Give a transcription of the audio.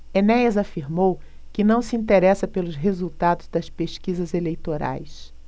enéas afirmou que não se interessa pelos resultados das pesquisas eleitorais